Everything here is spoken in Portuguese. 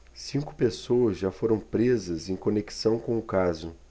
cinco pessoas já foram presas em conexão com o caso